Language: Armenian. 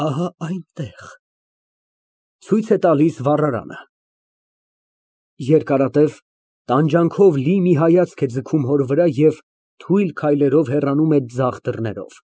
Ահա այստեղ։ (Ցույց է տալիս վառարանը, երկարատև տանջանքով մի հայացք է ձգում հոր վրա և թույլ քայլերով հեռանում է ձախ դռներով)։